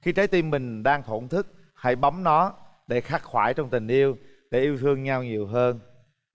khi trái tim mình đang thổn thức hãy bấm nó để khắc khoải trong tình yêu để yêu thương nhau nhiều hơn